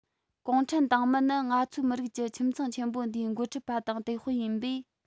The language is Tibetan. གུང ཁྲན ཏང མི ནི ང ཚོའི མི རིགས ཀྱི ཁྱིམ ཚང ཆེན པོ འདིའི འགོ ཁྲིད པ དང དེད དཔོན ཡིན པས